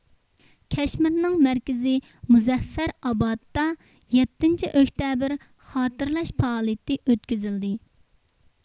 كەشمىرنىڭ مەركىزى مۇزەففەرئابادتا يەتتىنچى ئۆكتەبىر خاتىرىلەش پائالىيىتى ئۆتكۈزۈلدى